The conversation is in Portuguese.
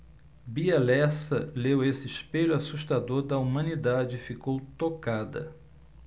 bia lessa leu esse espelho assustador da humanidade e ficou tocada